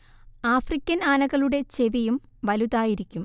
African ആനകളുടെ ചെവിയും വലുതായിരിക്കും